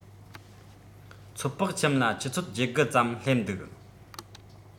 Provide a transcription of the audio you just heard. ཚོད དཔག ཁྱིམ ལ ཆུ ཚོད བརྒྱད དགུ ཙམ སླེབས འདུག